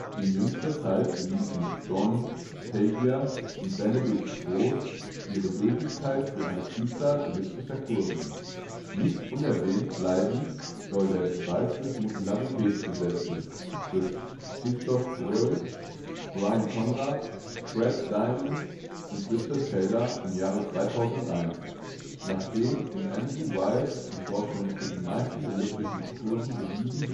In jüngster Zeit bewiesen Don Zagier und Benedict Gross ihre Gültigkeit für eine Vielzahl elliptischer Kurven. Nicht unerwähnt bleiben soll der Beweis des Modularitätssatzes, durch Christophe Breuil, Brian Conrad, Fred Diamond und Richard Taylor im Jahre 2001, nachdem ihn Andrew Wiles zuvor schon für die meisten elliptischen Kurven bewiesen